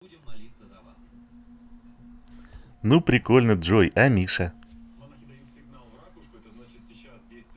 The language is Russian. ну прикольно джой а миша